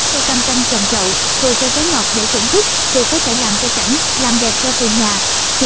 cây cam canh trồng chậu vừa cho trái ngọt để thưởng thức vừa có thể làm cây cảnh làm đẹp cho vườn nhà